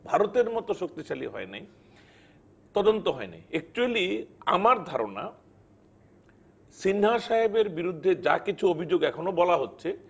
ভারতের মতো শক্তিশালী হয় নাই তদন্ত হয় না একচুয়ালি আমার ধারণা সিনহা সাহেবের বিরুদ্ধে যা কিছু অভিযোগ এখনো বলা হচ্ছে